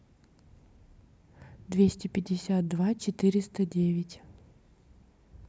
двести пятьдесят два четыреста девять